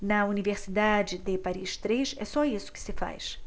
na universidade de paris três é só isso que se faz